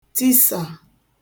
tisà